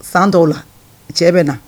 San dɔw la cɛ bɛ na